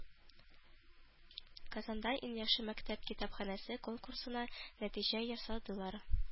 Казанда “Иң яхшы мәктәп китапханәсе” конкурсына нәтиҗә ясадылар